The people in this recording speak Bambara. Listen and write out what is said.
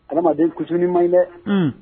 Adamaden kusuni ma ɲi dɛ Unhun